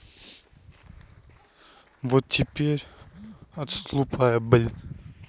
вот теперь отступая блин